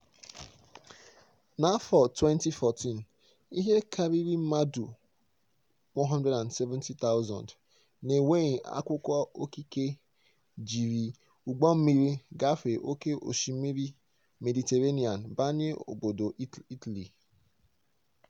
N'afọ 2014, ihe karịrị mmadụ 170,000 n'enweghị akwụkwọ ikike jiri ụgbọmmiri gafee oké osimiri Mediterranean banye obodo Italy.